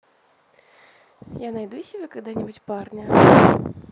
я найду себе когда нибудь парня